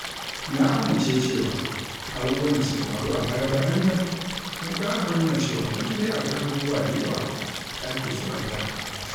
Na amince cewa abubuwan da suka faru a baya-bayan nan sun ƙara nuna cewa lallai akwai abubuwa da yawa da ake so a gyara.